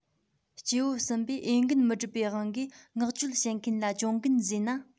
སྐྱེ བོ གསུམ པས འོས འགན མི སྒྲུབ པའི དབང གིས མངགས བཅོལ བྱེད མཁན ལ གྱོང གུན བཟོས ན